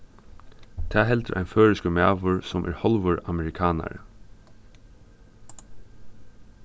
tað heldur ein føroyskur maður sum er hálvur amerikanari